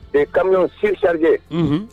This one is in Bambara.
U ye kamalenw seli sarijɛhun